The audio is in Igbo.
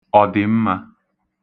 ọ̀dị̀mmā